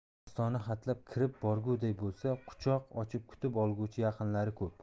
ostona hatlab kirib borguday bo'lsa quchoq ochib kutib olguchi yaqinlari ko'p